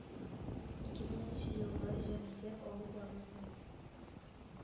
Ике меңенче елгы җанисәп алу базасы